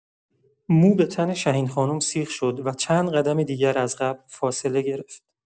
مو به تن شهین خانم سیخ شد و چند قدم دیگر از قبر فاصله گرفت.